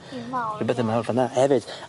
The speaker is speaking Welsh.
Rhyw petha mawr fynna hefyd.